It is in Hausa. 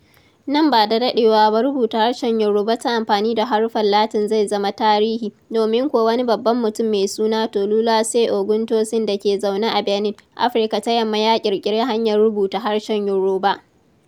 Nan ba da daɗewa ba rubuta harshen Yoruba ta amfani da haruffan Latin zai zama tarihi, domin kuwa wani babban mutum mai suna Tolúlàṣẹ Ògúntósìn da ke zaune a Benin, Afirka ta Yamma ya ƙirƙiri hanyar rubuta harshen Yoruba.